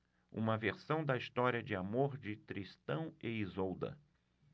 uma versão da história de amor de tristão e isolda